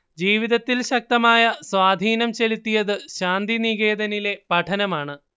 ജീവിതത്തിൽ ശക്തമായ സ്വാധീനം ചെലുത്തിയത് ശാന്തിനികേതനിലെ പഠനമാണ്